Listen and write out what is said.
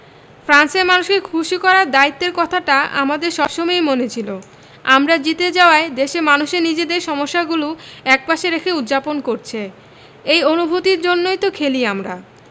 ফ্রান্সের মানুষকে খুশি করার দায়িত্বের কথাটা আমাদের সব সময়ই মনে ছিল আমরা জিতে যাওয়ায় দেশের মানুষও নিজেদের সমস্যাগুলো একপাশে রেখে উদ্ যাপন করছে এই অনুভূতির জন্যই তো খেলি আমরা